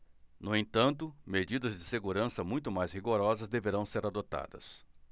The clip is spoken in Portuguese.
no entanto medidas de segurança muito mais rigorosas deverão ser adotadas